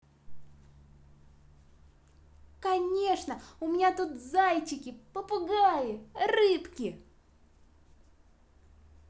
конечно у меня тут зайчики попугаи рыбки